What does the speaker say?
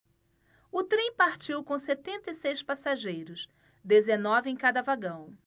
o trem partiu com setenta e seis passageiros dezenove em cada vagão